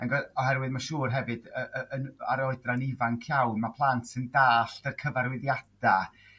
yn go-- oherwydd masiwr hefyd yn yn yr oedran ifanc iawn ma' plant yn dalld y cyfarwyddiadda'